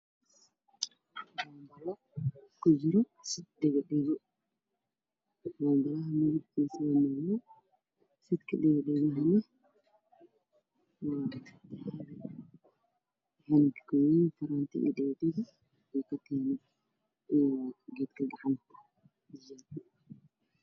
Meeshaan waa yaalo weel ku jiro dhego dhego kalarkiisu yahay dahabi